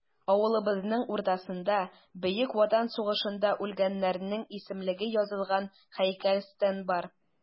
Авылыбызның уртасында Бөек Ватан сугышында үлгәннәрнең исемлеге язылган һәйкәл-стенд бар.